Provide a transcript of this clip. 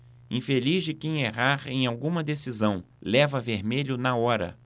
infeliz de quem errar em alguma decisão leva vermelho na hora